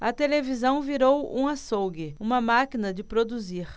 a televisão virou um açougue uma máquina de produzir